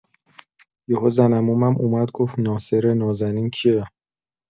یهو زن عمومم اومد گفت ناصر نازنین کیه؟